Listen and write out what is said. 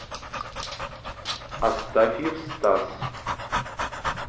астафьев стас